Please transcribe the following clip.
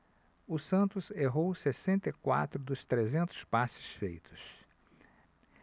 o santos errou sessenta e quatro dos trezentos passes feitos